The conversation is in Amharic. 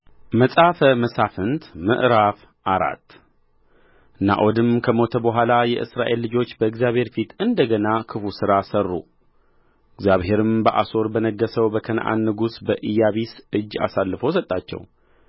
መጽሐፈ መሣፍንት ምዕራፍ አራት ናዖድም ከሞተ በኋላ የእስራኤል ልጆች በእግዚአብሔር ፊት እንደ ገና ክፉ ሥራ ሠሩ እግዚአብሔርም በአሶር በነገሠው በከነዓን ንጉሥ በኢያቢስ እጅ አሳልፎ ሰጣቸው